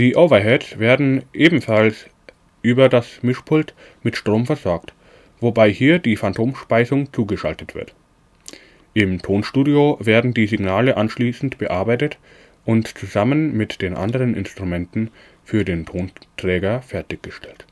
Richtige ist. Die Overheads werden ebenfalls über das Mischpult mit Strom versorgt, wobei hier die Phantomspeisung zugeschaltet wird. Im Tonstudio werden die Signale anschließend bearbeitet und zusammen mit den anderen Instrumenten für den Tonträger fertiggestellt